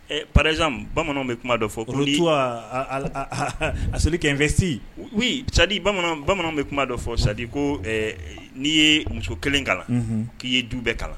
Paz bamananw bɛ kuma dɔ fɔ ko a selili kɛfɛsi sadi bɛ kuma dɔ fɔ sadi ko n'i ye muso kelen kalan k'i ye du bɛɛ kalan